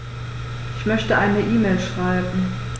Ich möchte eine E-Mail schreiben.